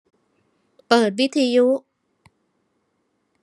เปิดวิทยุ